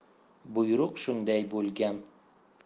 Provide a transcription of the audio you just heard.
buyruq shunday bo'lgan